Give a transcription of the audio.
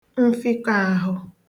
mfịkọàhụ